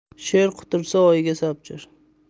sher qutursa oyga sapchir